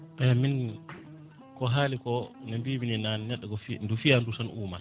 eyyi min ko haaliko no mbimini naane neɗɗo fi ndu fiiya ndu tan umata